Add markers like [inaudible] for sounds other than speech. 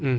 [hesitation] [hesitation]